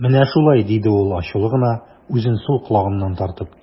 Менә шулай, - диде ул ачулы гына, үзен сул колагыннан тартып.